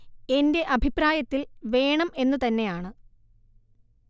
എന്റെ അഭിപ്രായത്തിൽ വേണം എന്നു തന്നെയാണ്